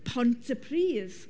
Pontypridd.